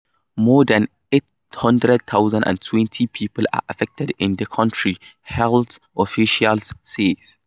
More than 820,000 people are affected in the country, health officials say.